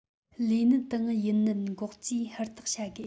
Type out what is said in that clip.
ལས ནད དང ཡུལ ནད འགོག བཅོས ཧུར ཐག བྱ དགོས